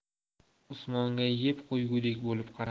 usmonga yeb qo'ygudek bo'lib qaradi